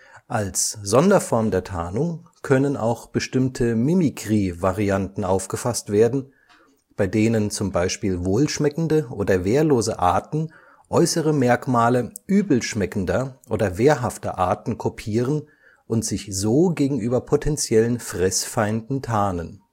Als Sonderform der Tarnung können auch bestimmte Mimikry-Varianten aufgefasst werden, bei denen zum Beispiel wohlschmeckende oder wehrlose Arten äußere Merkmale übelschmeckender oder wehrhafter Arten kopieren und sich so gegenüber potenziellen Fressfeinden tarnen